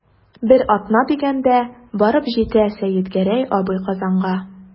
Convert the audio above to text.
Бер атна дигәндә барып җитә Сәетгәрәй абый Казанга.